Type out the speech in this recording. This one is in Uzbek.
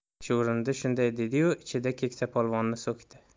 chuvrindi shunday dedi yu ichida kesakpolvonni so'kdi